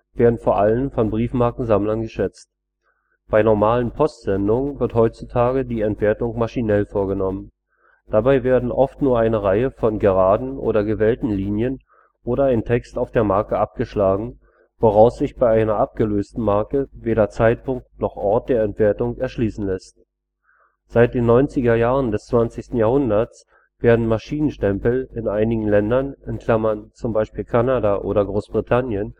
werden vor allem von Briefmarkensammlern geschätzt. Bei normalen Postsendungen wird heutzutage die Entwertung maschinell vorgenommen. Dabei wird oft nur eine Reihe von geraden oder gewellten Linien oder ein Text auf der Marke abgeschlagen, woraus sich bei einer abgelösten Marke weder Zeitpunkt noch Ort der Entwertung erschließen lässt. Seit den neunziger Jahren des 20. Jahrhunderts werden Maschinen „ stempel “in einigen Ländern (z. B. Kanada oder Großbritannien